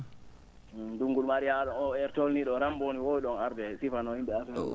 ndunngu ngu arii haa ?o oo heure tolnii ?o tan mbo woowi ?on arde sifanoo yim?e ?ee *